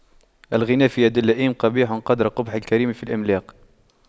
الغنى في يد اللئيم قبيح قدر قبح الكريم في الإملاق